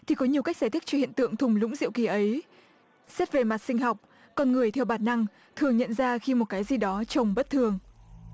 thì có nhiều cách giải thích cho hiện tượng thung lũng diệu kỳ ấy xét về mặt sinh học con người theo bản năng thường nhận ra khi một cái gì đó trông bất thường